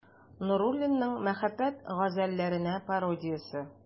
Нуруллинның «Мәхәббәт газәлләренә пародия»се.